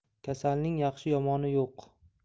kasalning yaxshi yomoni yo'q